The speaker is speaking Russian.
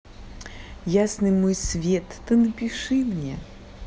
ясный мой свет ты напиши мне